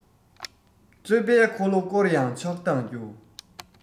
རྩོད པའི འཁོར ལོ སྐོར ཡང ཆགས སྡང རྒྱུ